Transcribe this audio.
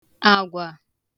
àgwà